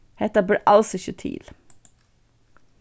hetta ber als ikki til